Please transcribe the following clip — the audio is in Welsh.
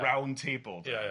y round table... Ia ia...